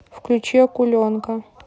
включи акуленка